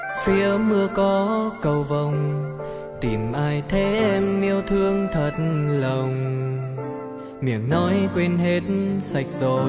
phía mưa có cầu vồng tìm ai thế em yêu thương thật lòng miệng nói quên hết sạch rồi